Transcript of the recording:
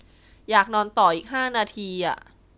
อยากนอนต่ออีกห้านาทีอะ